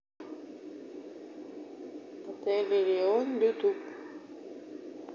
отель элеон ютуб